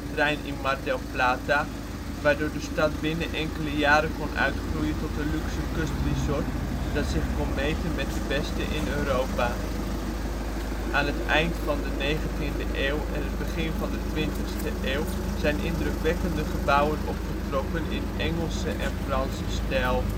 trein in Mar del Plata, waardoor de stad binnen enkele jaren kon uitgroeien tot een luxe kustresort, dat zich kon meten meten met de beste in Europa. Aan het eind van de negentiende en het begin van de twintigste eeuw zijn indrukwekkende gebouwen opgetrokken in Engelse en Franse stijl